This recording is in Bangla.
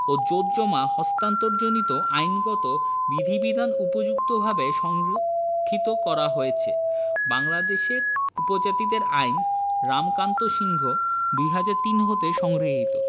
ও জোতজমা হস্তান্তরজনিত আইনগত বিধিবিধান উপযুক্তভাবে সংরক্ষিত করা হয়েছে বাংলাদেশের উপজাতিদের আইন রামকান্ত সিংহ ২০০৩ হতে সংগ্রহীত